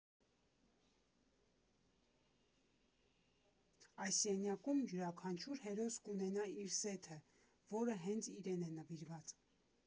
Այս սենյակում յուրաքանչյուր հերոս կունենա իր սեթը, որը հենց իրեն է նվիրված։